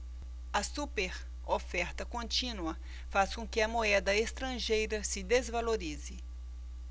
a superoferta contínua faz com que a moeda estrangeira se desvalorize